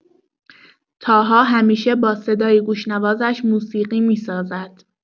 طاها همیشه با صدای گوش‌نوازش موسیقی می‌سازد.